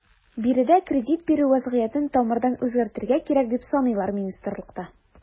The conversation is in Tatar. Биредә кредит бирү вәзгыятен тамырдан үзгәртергә кирәк, дип саныйлар министрлыкта.